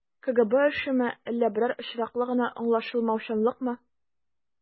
КГБ эшеме, әллә берәр очраклы гына аңлашылмаучанлыкмы?